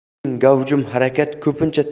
eng gavjum harakat ko'pincha